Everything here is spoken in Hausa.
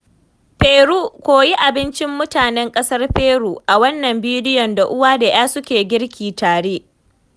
Peru - koyi abincin mutanen ƙasar Peru a wannan bidiyon da uwa da 'ya suke girki tare.